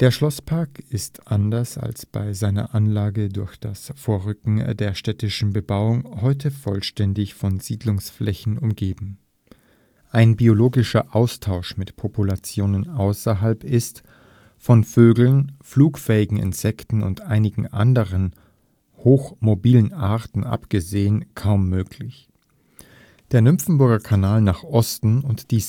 Schlosspark ist anders als bei seiner Anlage durch das Vorrücken der städtischen Bebauung heute vollständig von Siedlungsflächen umgeben. Ein biologischer Austausch mit Populationen außerhalb ist, von Vögeln, flugfähigen Insekten und einigen anderen hoch mobilen Arten abgesehen, kaum möglich. Der Nymphenburger Kanal nach Osten und die